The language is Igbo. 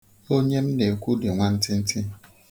Onye m na-ekwu dị nwantịntị.